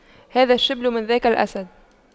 هذا الشبل من ذاك الأسد